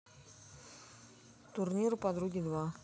турниры подруги два